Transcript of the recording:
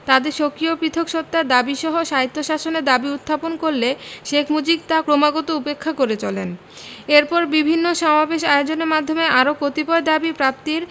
তাদের স্বকীয় পৃথক সত্তার দাবীসহ স্বায়ত্বশাসনের দাবী উত্থাপন করলে শেখ মুজিব তা ক্রমাগত উপেক্ষা করে চলেন এরপর বিভিন্ন সামবেশ আয়োজনের মাধ্যমে আরো কতিপয় দাবী প্রাপ্তির